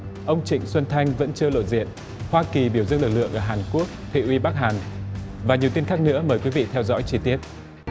ông trịnh xuân thanh vẫn chưa lộ diện hoa kỳ biểu dương lực lượng ở hàn quốc thị uy bắc hàn và nhiều tin khác nữa mời quý vị theo dõi chi tiết